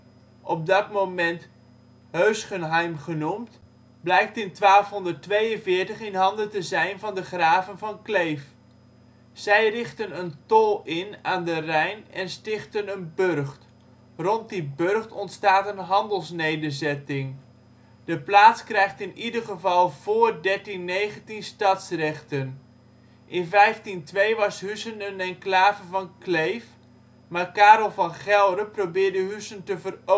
op dat moment Heuschenheim genoemd) blijkt in 1242 in handen te zijn van de graven van Kleef. Zij richten een tol in aan de Rijn en stichten een burcht. Rond die burcht ontstaat een handelsnederzetting. De plaats krijgt in ieder geval vóór 1319 stadsrechten. In 1502 was Huissen een enclave van Kleef. Maar Karel van Gelre probeerde Huissen te veroveren